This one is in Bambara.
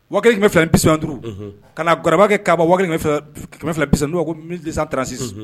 Kɛmɛ fila bisɔn duuruuru ka na garababa kɛ ka kɛmɛ fila bi ko mi san taarasi